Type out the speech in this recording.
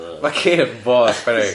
Ma' ceir mor beryg.